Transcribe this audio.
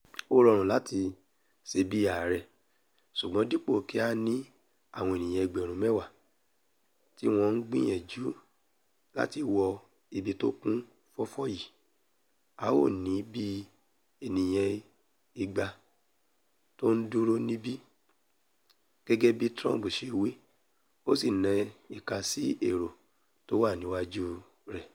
Ó rọrùn láti ṣe bí ààrẹ, sùgbọ́n dípò ki a ní àwọn ènìyàń ẹgbẹ̀rún mẹ́wàá ti woń ńgbìyànjú láti wọ ibi tó kún fọ́fọ́ yìí, a ó ní bíi ènìyàn igba tó ńdúró níbí,'' gẹgẹ bíi Trump ṣe wí, ósi ́na ìka sì èrò tówà níwájú rẹ̀.